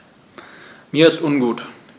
Mir ist ungut.